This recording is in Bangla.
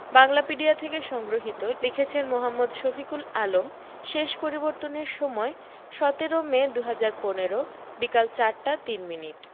বাংলাপিডিয়া থেকে সংগ্রহীত লিখেছেন মোঃ শফিকুল আলম শেষ পরিবর্তনের সময়ঃ ১৭ মে ২০১৫ বিকেল ৪টা ৩ মিনিট